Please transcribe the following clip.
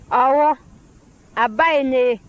ɔwɔ a ba ye ne ye